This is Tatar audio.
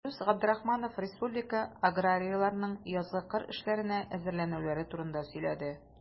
Илдус Габдрахманов республика аграрийларының язгы кыр эшләренә әзерләнүләре турында сөйләде.